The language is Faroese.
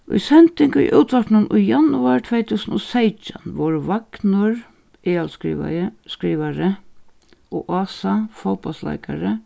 í sending í útvarpinum í januar tvey túsund og seytjan vóru vagnur skrivari og ása fótbóltsleikari